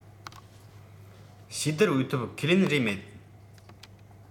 ཕྱིས བསྡུར འོས ཐོབ ཁས ལེན རེ མེད